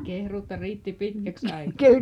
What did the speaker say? kehruuta riitti pitkäksi aikaa